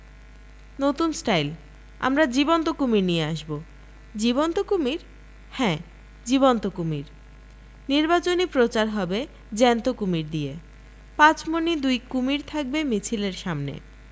নতুন স্টাইল আমরা জীবন্ত কুমীর নিয়ে আসব জীবন্ত কুমীর হ্যাঁ জীবন্ত কুমীর নির্বাচনী প্রচার হবে জ্যান্ত কুমীর দিয়ে পাঁচমণি দুই কুমীর থাকবে মিছিলের সামনে